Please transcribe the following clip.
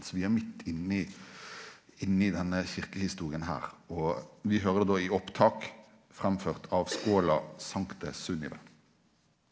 så vi er midt inni inni denne kyrkjehistoria her og vi høyrer det då i opptak framført av Schola Santae Sunnivae.